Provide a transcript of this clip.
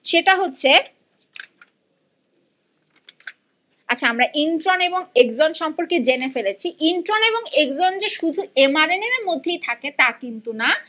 সেটা হচ্ছে আচ্ছা আমরা ইন্ট্রন এবং এক্সন সম্পর্কে জেনে ফেলেছি ইন্টর্ন এবং এক্সন যে শুধু এম আর এন এ এর মধ্যেই থাকে তা কিন্তু না